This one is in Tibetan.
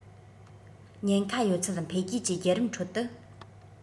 ཉེན ཁ ཡོད ཚད འཕེལ རྒྱས ཀྱི བརྒྱུད རིམ ཁྲོད དུ